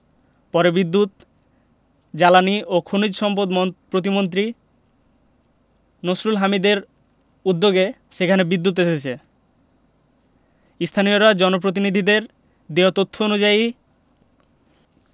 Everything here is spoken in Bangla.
পরে বিদ্যুৎ জ্বালানি ও খনিজ সম্পদ প্রতিমন্ত্রী নসরুল হামিদদের উদ্যোগে সেখানে বিদ্যুৎ এসেছে স্থানীয় জনপ্রতিনিধিদের দেওয়া তথ্য অনুযায়ী